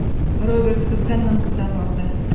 Роберт кызганнан-кыза барды.